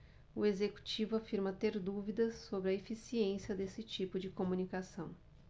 o executivo afirma ter dúvidas sobre a eficiência desse tipo de comunicação